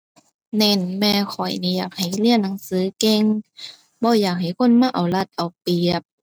เน้น แม่ข้อยนี่อยากให้เรียนหนังสือเก่ง บ่อยากให้คนมาเอารัดเอาเปรียบ